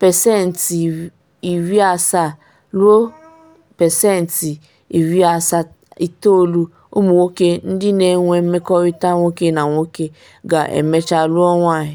70-90% ụmụ nwoke ndị na-enwe mmekọrịta nwoke na nwoke ga-emecha lụọ nwanyị.